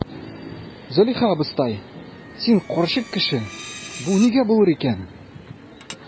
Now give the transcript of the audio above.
Зөләйха абыстай, син карчык кеше, бу нигә булыр икән?